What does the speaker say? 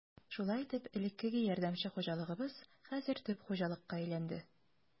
Шулай итеп, элеккеге ярдәмче хуҗалыгыбыз хәзер төп хуҗалыкка әйләнде.